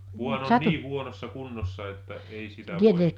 vaan oli niin huonossa kunnossa että ei sitä voi